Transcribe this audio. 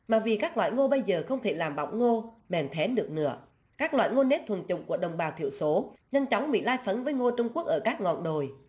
mà vì các loại ngô bây giờ không thể làm bỏng ngô mèn thén được nữa các loại ngô nếp thuần chủng của đồng bào thiểu số nhanh chóng bị lai phấn với ngô trung quốc ở các ngọn đồi